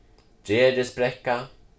gerðisbrekka